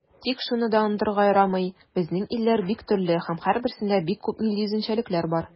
Тик шуны да онытырга ярамый, безнең илләр бик төрле һәм һәрберсендә бик күп милли үзенчәлекләр бар.